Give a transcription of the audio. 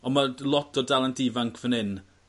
ond ma' d- lot o dalent ifanc fan 'yn